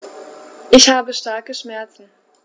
Ich habe starke Schmerzen.